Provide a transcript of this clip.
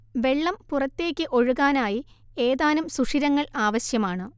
വെള്ളം പുറത്തേക്ക് ഒഴുകാനായി ഏതാനും സുഷിരങ്ങൾ ആവശ്യമാണ്